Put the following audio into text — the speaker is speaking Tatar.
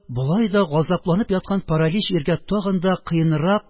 Болай да газапланып яткан паралич иргә тагын да кыенрак